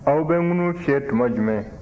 aw bɛ ŋunu fiyɛ tuma jumɛn